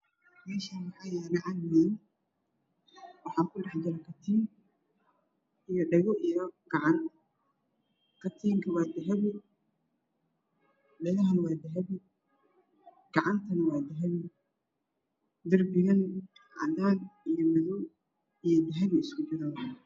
Meshan waxaa yalo caag madow waxaa ku dhaxjiro katiin iyo dhago katiinka waa dahpi dhagaha wa dahapi gacta waa dahipi darpigana waa cadan iyo madow dahipi isku jiro